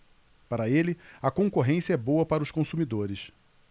para ele a concorrência é boa para os consumidores